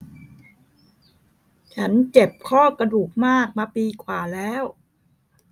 ฉันเจ็บข้อกระดูกมากมาปีกว่าแล้ว